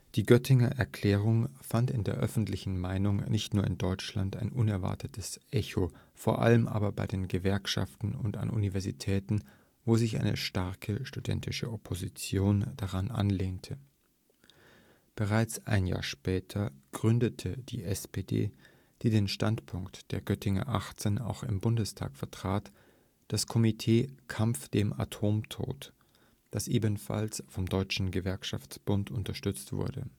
Die Göttinger Erklärung fand in der öffentlichen Meinung, nicht nur in Deutschland, ein unerwartetes Echo, vor allem aber bei den Gewerkschaften und an Universitäten, wo sich eine starke studentische Opposition daran anlehnte. Bereits ein Jahr später gründete die SPD, die den Standpunkt der Göttinger 18 auch im Bundestag vertrat, das Komitee Kampf dem Atomtod, das ebenfalls vom Deutschen Gewerkschaftsbund unterstützt wurde